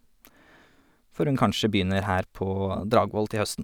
Før hun kanskje begynner her på Dragvoll til høsten.